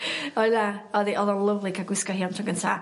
Oedd a o'dd 'i o'dd o'n lyfli ca'l gwisgo hi am tro gynta.